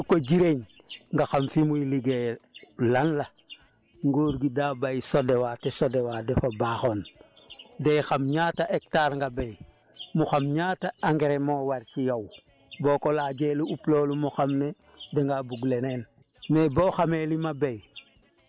nit balaa nga koy jox lu ko ji ren nga xam fu muy liggéeyee lan la nguur gi da bàyyi SODOA te SODOA dafa baaxoon day xam ñaata hectares nga béy mu xam ñaata engrais moo war ci yow boo ko laajee lu ëpp loolu mu xam ne dangaa bugg leneen